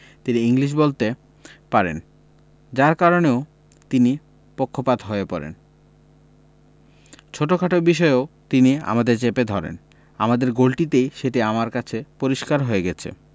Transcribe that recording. তিনি ইংলিশ বলতে পারেন যার কারণেও তিনি পক্ষপাত হয়ে পড়েন ছোটখাট বিষয়েও তিনি আমাদের চেপে ধরেন আমাদের গোলটিতেই সেটি আমার কাছে পরিস্কার হয়ে গেছে